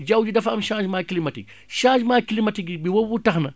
jaww ji dafa am changement climatique changement climatique yi boobu tax na